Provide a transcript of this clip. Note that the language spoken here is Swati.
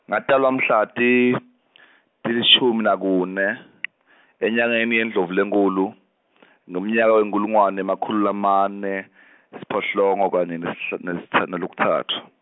ngatalwa mhla ti- , tilishumi nakune , enyangeni yeNdlovulenkhulu , ngemnyaka wenkhulungwane emakhulu lamane, siphohlongo kanye nesh- nesta- nakutsatfu.